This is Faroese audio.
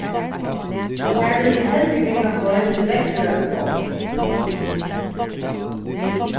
tær vildu heldur ganga heim tí veðrið var so gott